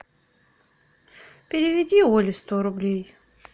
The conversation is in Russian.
переведи оле сто рублей